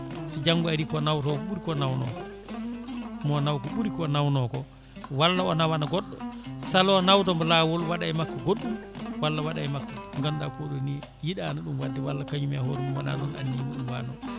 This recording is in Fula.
so janggao ari ko nawtowo o ɓuuri ko nawno ko mo naaw ko ɓuuri ko nawno ko walla o nawana goɗɗo salo nawdemo lawol waɗa e makko goɗɗum walla waɗa e makko ko ganduɗa koɗo ni yiiɗano ɗum wadde walla kañum e hoore mum wona ɗum anniya mum waano